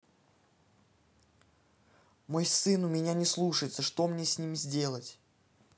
мой сын у меня не слушается что мне с ним сделать